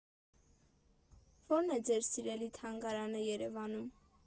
Ո՞րն է ձեր սիրելի թանգարանը Երևանում։